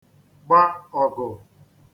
-gba ọ̀gụ̀